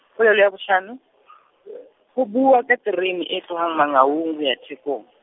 polelo ya bohlano , ho buwa ka terene e tlohang Mangaung ho ya Thekong.